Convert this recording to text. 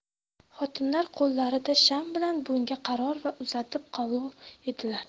xotinlar qo'llarida sham bilan bunga qarar va uzatib qolur edilar